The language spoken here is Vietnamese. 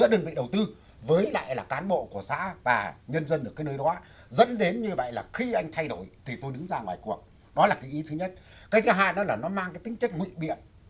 giữa đơn vị đầu tư với lại là cán bộ của xã và nhân dân ở cái nơi đó dẫn đến như vậy là khi anh thay đổi thì tôi đứng ra ngoài cuộc nó là cái ý thứ nhất cái thứ hai đó là nó mang tính chất ngụy biện